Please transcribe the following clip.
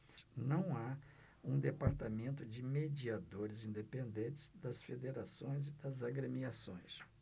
não há um departamento de mediadores independente das federações e das agremiações